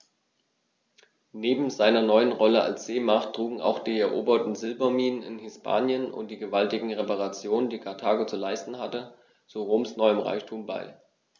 Neben seiner neuen Rolle als Seemacht trugen auch die eroberten Silberminen in Hispanien und die gewaltigen Reparationen, die Karthago zu leisten hatte, zu Roms neuem Reichtum bei.